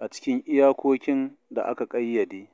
a cikin iyakokin da aka ƙayyade.”